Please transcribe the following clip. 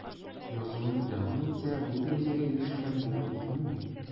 Язуын дәвам итсә, бу дәрәҗәгә ирешкән булыр идеме ул?